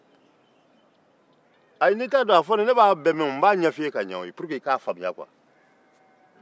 n'i t'a dɔn a fɔ ne b'a bɛɛ mɛn n b'a ɲɛfɔ i ye pour que i k'a faamuya